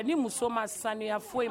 A muso ma sanu fɔ